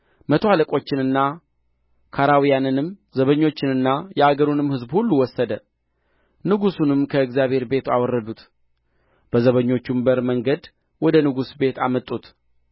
መቶ አለቆቹንና ካራውያንንም ዘበኞችንና የአገሩንም ሕዝብ ሁሉ ወሰደ ንጉሡንም ከእግዚአብሔር ቤት አወረዱት በዘበኞችም በር መንገድ ወደ ንጉሡ ቤት አመጡት